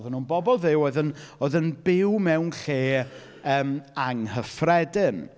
Oedden nhw'n bobl Dduw oedd yn oedd yn byw mewn lle, yym, anghyffredin.